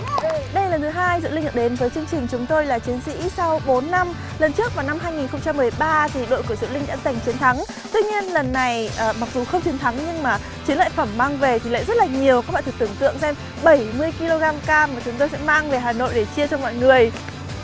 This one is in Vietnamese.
đây là lần thứ hai diệu linh được đến với chương trình chúng tôi là chiến sĩ sau bốn năm lần trước vào năm hai nghìn không trăm mười ba thì đội của diệu linh đã giành chiến thắng tuy nhiên lần này mặc dù không chiến thắng nhưng mà chiến lợi phẩm mang về thì lại rất là nhiều các bạn thử tưởng tượng xem bảy mươi ki lô gam cam chúng tôi sẽ mang về hà nội để chia cho mọi người